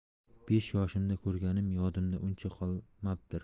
besh yoshimda ko'rganim yodimda uncha qolmabdir